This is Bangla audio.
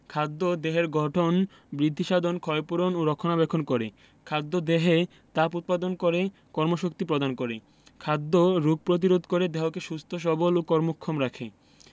খাদ্য দেহের গঠন বৃদ্ধিসাধন ক্ষয়পূরণ ও রক্ষণাবেক্ষণ করে ২. খাদ্য দেহে তাপ উৎপাদন করে কর্মশক্তি প্রদান করে ৩. খাদ্য রোগ প্রতিরোধ করে দেহকে সুস্থ সবল এবং কর্মক্ষম রাখে